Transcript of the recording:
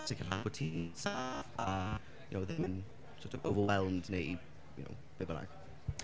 i sicrhau bod ti'n saff a ddim yn sort of overwhelmed neu you know be bynnag?